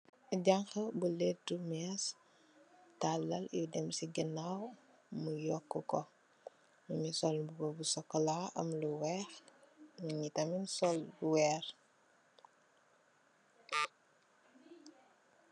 Janha bu lehtu meeche, talal yu dem cii ganaw, mu yoku kor, mungy sol mbuba bu chocolat am lu wekh, mungy tamit sol lu wehrre.